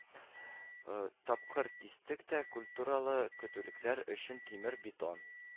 Тапкыр кистек тә культуралы көтүлекләр өчен тимер-бетон